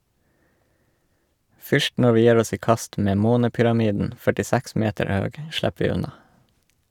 Fyrst når vi gjer oss i kast med månepyramiden, 46 meter høg, slepp vi unna.